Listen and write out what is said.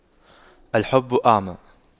الحب أعمى